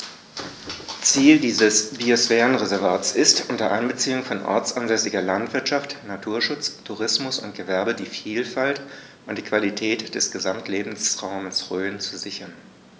Ziel dieses Biosphärenreservates ist, unter Einbeziehung von ortsansässiger Landwirtschaft, Naturschutz, Tourismus und Gewerbe die Vielfalt und die Qualität des Gesamtlebensraumes Rhön zu sichern.